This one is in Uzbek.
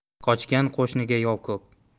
qochgan qo'shinga yov ko'p